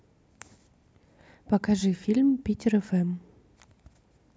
покажи фильм питер фм